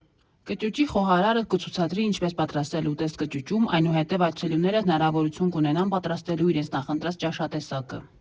Կճուճի խոհարարը կցուցադրի ինչպես պատրաստել ուտեստ կճուճում, այնուհետև այցելուները հնարավորություն կունենան պատրաստելու իրենց նախընտրած ճաշատեսակը։